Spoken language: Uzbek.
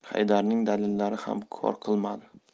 haydarning dalillari ham kor kilmadi